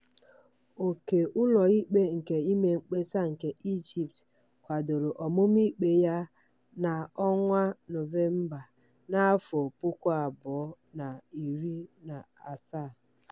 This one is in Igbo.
Óké Ụlọikpe nke Ime Mkpesa nke Egypt kwadoro ọmụma ikpe ya na Nọvemba 2017.